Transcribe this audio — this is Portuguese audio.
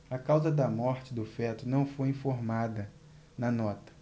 a causa da morte do feto não foi informada na nota